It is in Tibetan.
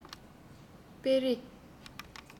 མི རིགས ཁག གི འགྲོ འོང དང